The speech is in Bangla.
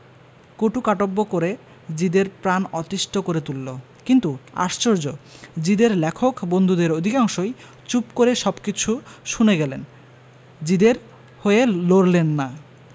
কটুকাটব্য করে জিদে র প্রাণ অতিষ্ঠ করে তুলল কিন্তু আশ্চর্য জিদে র লেখক বন্ধুদের অধিকাংশই চুপ করে সবকিছু শুনে গেলেন জিদে র হয়ে লড়লেন না